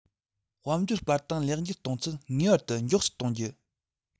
དཔལ འབྱོར སྤར སྟངས ལེགས འགྱུར གཏོང ཚད ངེས པར དུ མགྱོགས སུ གཏོང རྒྱུ